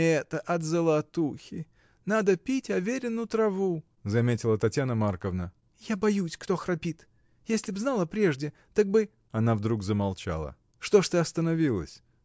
— Это от золотухи: надо пить аверину траву, — заметила Татьяна Марковна. — Я боюсь, кто храпит. Если б знала прежде, так бы. Она вдруг замолчала. — Что ж ты остановилась?